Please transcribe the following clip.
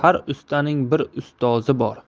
har ustaning bir ustozi bor